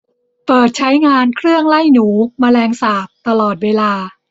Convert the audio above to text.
เปิดใช้งานเครื่องไล่หนูแมลงสาบตลอดเวลา